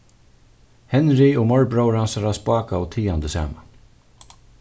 henry og morbróðir hansara spákaðu tigandi saman